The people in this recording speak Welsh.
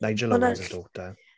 Nigel Owen's... ma' 'na ll- ...daughter.